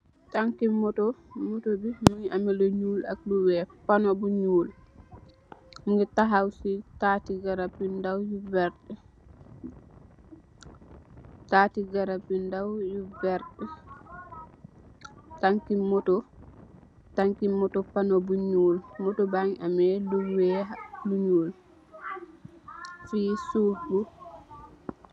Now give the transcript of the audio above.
Tanki motor, motor bii mungy ameh lu njull ak lu wekh, pohnoh bu njull, mungy takhaw cii taati garab yu ndaw yu vertue, taati garab yu ndaw yu vertue, tanki motor, tanki motor ponoh bu njull, motor bangy ameh lu wekh ak lu njull, fii suffu, fii suffu.